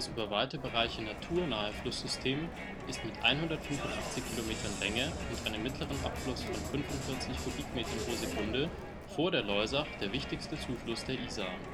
über weite Bereiche naturnahe Flusssystem ist mit 185 Kilometern Länge und einem mittleren Abfluss von 45 m³/s vor der Loisach der wichtigste Zufluss der Isar